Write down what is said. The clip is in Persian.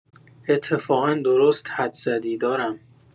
اتفاقا درست حدس زدی دارم.